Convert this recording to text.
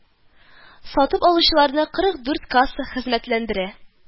Сатып алучыларны кырык дүрт касса хезмәтләндерә